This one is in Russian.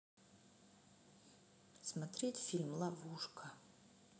смотреть фильм ловушка